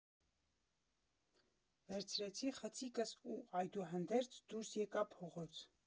Վերցրեցի խցիկս ու այդուհանդերձ դուրս եկա փողոց։